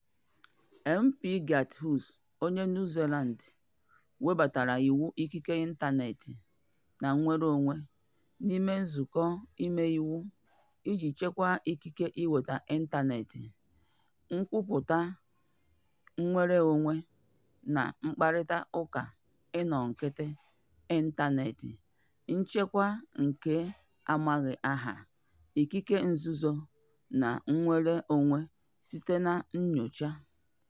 MP Garth Hughes onye New Zealand webatara iwu ikike ịntaneetị na nnwereonwe n'ime nzukọ Omeiwu iji chekwaa ikike inweta ịntaneetị, nkwupụta nnwereonwe na mkpakọrịta, ịnọ nkịtị ịntaneetị, nchekwa nke amaghị aha, ikike nzuzo na nnwereonwe site na nnyocha.